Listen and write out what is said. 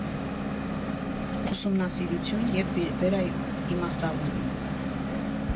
Ուսումնասիրություն և վերաիմաստավորում։